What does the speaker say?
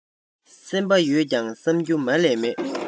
སེམས པ ཡོད ཀྱང བསམ རྒྱུ མ ལས མེད